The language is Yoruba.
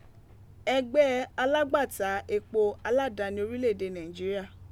Ẹgbẹẹ alagbata epo aladani orile ede Naijiria.